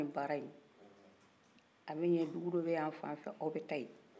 baara in bɛ yan dugu dɔ bɛ yan fanfɛ aw bɛ taa ye